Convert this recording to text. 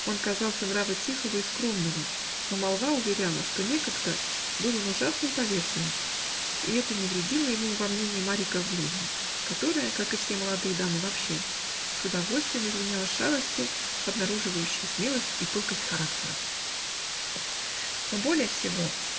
Он казался нрава тихого и скромного, но молва уверяла, что некогда был он ужасным повесою, и это не вредило ему во мнении Марьи Гавриловны, которая (как и все молодые дамы вообще) с удовольствием извиняла шалости, обнаруживающие смелость и пылкость характера. Но более всего.